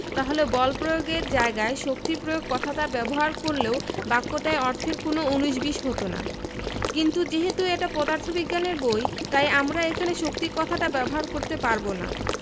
তাহলে বল প্রয়োগ এর জায়গায় শক্তি প্রয়োগ কথাটা ব্যবহার করলেও বাক্যটায় অর্থের কোনো উনিশ বিশ হতো না কিন্তু যেহেতু এটা পদার্থবিজ্ঞানের বই তাই আমরা এখানে শক্তি কথাটা ব্যবহার করতে পারব না